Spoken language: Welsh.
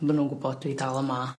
a ma' nw'n gwbod dwi dal yma.